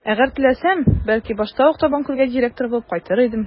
Әгәр теләсәм, бәлки, башта ук Табанкүлгә директор булып кайтыр идем.